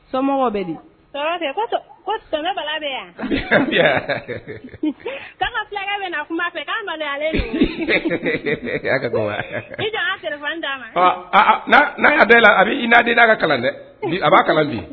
So bɛ bɛ yankɛ min na kuma fɛ'a ma n'a ka da la a bɛ iinaa di da a ka kalan dɛ a b'a kalan bi